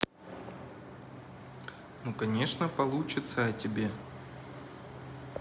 ну конечно получиться о тебе